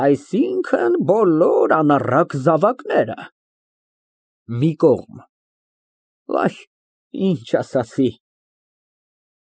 Այսինքն, բոլոր անառակ զավակները։ (Մի կողմ) Վա, ինչ ասացի։